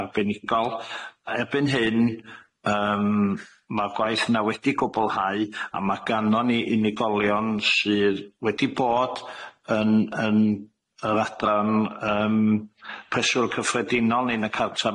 arbenigol a erbyn hyn yym ma'r gwaith yna wedi gwblhau a ma' ganon ni unigolion sydd wedi bod yn yn yr adran yym pressure cyffredinol ni'n y carter